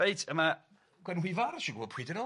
Reit a 'ma Gwenhwyfar isio gwbo pwy 'di n'w